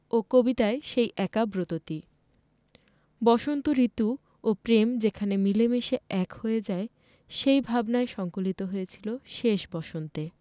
ও কবিতায় সেই একা ব্রততী বসন্ত ঋতু ও প্রেম যেখানে মিলেমিশে এক হয়ে যায় সেই ভাবনায় সংকলিত হয়েছিলো শেষ বসন্তে